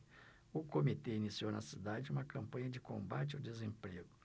o comitê iniciou na cidade uma campanha de combate ao desemprego